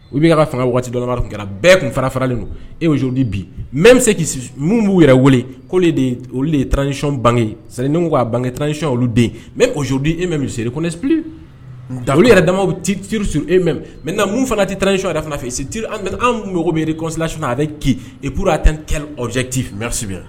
U bɛ ka fanga waati dɔma tun kɛra bɛɛ tun fara faralen don ezodi bi mɛ bɛ se minnu b'u yɛrɛ wele ko' de olu de ye ticɔn bange ye sani ka'a bange kɛ tanranicɔn oluden mɛ ozodi e min seri koɛ dawu yɛrɛ damawuru siri e mɛ min fana tɛ tan nicɔn yɛrɛ fana fɛ an mɔgɔ bɛri kɔlasona a bɛ cip a tɛjɛti bisimila